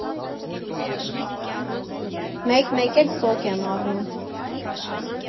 Մեկ֊մեկ էլ սոկ եմ առնում։